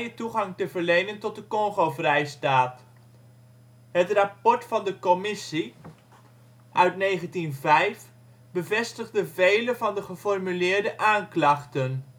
toegang te verlenen tot de Kongo-Vrijstaat. Het rapport van de commissie (1905) bevestigde vele van de geformuleerde aanklachten